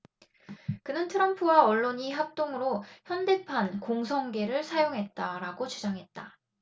그는 트럼프와 언론이 합동으로 현대판 공성계를 사용했다라고 주장했다